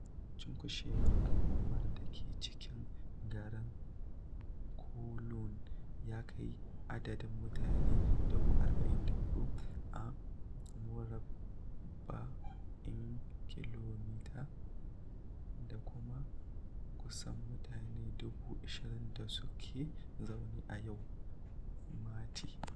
Cunkushewar al'ummar da ke cikin garin Kowloon ya kai adadin mutane 44,000 a murabba'in kilomita, da kuma kusan mutane 20,000 da suke zaune a Yau Ma Tei.